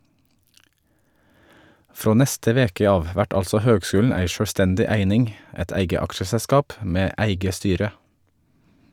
Frå neste veke av vert altså høgskulen ei sjølvstendig eining, eit eige aksjeselskap med eige styre.